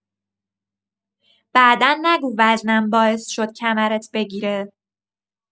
بعدا نگو وزنم باعث شد کمرت بگیره.